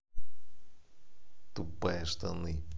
тупая штаны